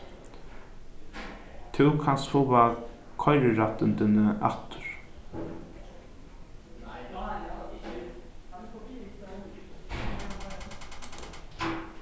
tú kanst fáa koyrirættindini aftur